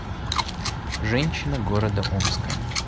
женщина города омска